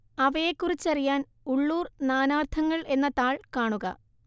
അവയെക്കുറിച്ചറിയാൻ ഉള്ളൂർ നാനാർത്ഥങ്ങൾ എന്ന താൾ കാണുക